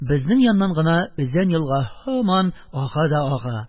Безнең яннан гына Өзән елга һаман ага да ага.